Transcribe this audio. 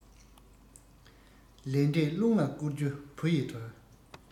ལས འབྲས རླུང ལ བསྐུར རྒྱུ བུ ཡི དོན